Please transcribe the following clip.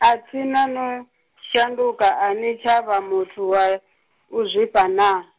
atsina no, shanduka ani tsha vha muthu wa, uzwifha naa?